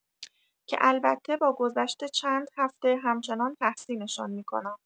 که البته با گذشت چند هفته همچنان تحسین‌شان می‌کنم.